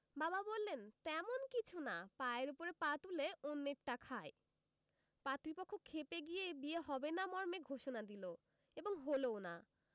বাবা বললেন তেমন কিছু না পায়ের ওপর পা তুলে অন্যেরটা খায় পাত্রীপক্ষ খেপে গিয়ে এ বিয়ে হবে না মর্মে ঘোষণা দিল এবং হলোও না